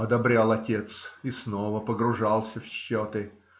- одобрял отец и снова погружался в счеты.